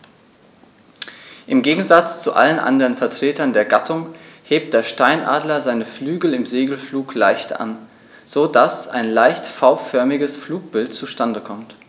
Im Gegensatz zu allen anderen Vertretern der Gattung hebt der Steinadler seine Flügel im Segelflug leicht an, so dass ein leicht V-förmiges Flugbild zustande kommt.